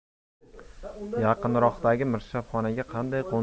yaqinroqdagi mirshabxonaga qanday